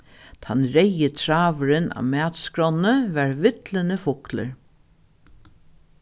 tann reyði tráðurin á matskránni var villini fuglur